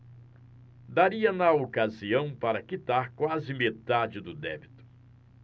daria na ocasião para quitar quase metade do débito